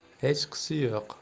hechqisi yo'q